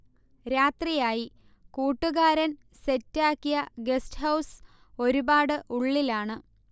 രാത്രിയായി, കൂട്ടുകാരൻ സെറ്റാക്കിയ ഗസ്റ്റ് ഹൌസ് ഒരു പാട് ഉള്ളിലാണ്